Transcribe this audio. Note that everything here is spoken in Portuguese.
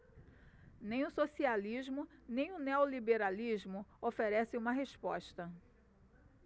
nem o socialismo nem o neoliberalismo oferecem uma resposta